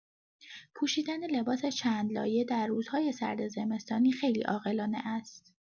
پوشیدن لباس چندلایه در روزهای سرد زمستانی خیلی عاقلانه است.